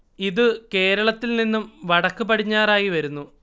ഇത് കേരളത്തിൽ നിന്നും വടക്ക് പടിഞ്ഞാറായി വരുന്നു